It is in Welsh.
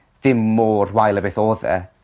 dim mor wael a beth oedd e.